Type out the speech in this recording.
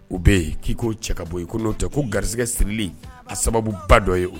O bɛ yen k'i ko cɛ ka bɔ i''o tɛ ko garisɛgɛ sirili a sababu ba dɔ ye o